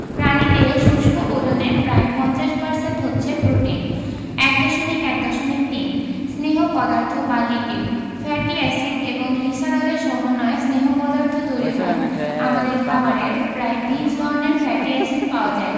প্রাণীদেহের শুষ্ক ওজনের প্রায় ৫০% হচ্ছে প্রোটিন ১.১.৩ স্নেহ পদার্থ বা লিপিড ফ্যাটি এসিড এবং গ্লিসারলের সমন্বয়ে স্নেহ পদার্থ তৈরি হয় আমাদের খাবারে প্রায় ২০ ধরনের ফ্যাটি এসিড পাওয়া যায়